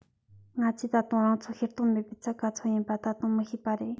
ང ཚོས ད དུང རང ཚོར ཤེས རྟོགས མེད པའི ཚད ག ཚོད ཅིག ཡིན པ ད དུང མི ཤེས པ རེད